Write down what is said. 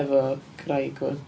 Efo gwraig o.